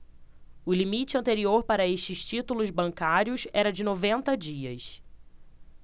o limite anterior para estes títulos bancários era de noventa dias